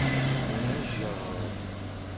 Менә җор!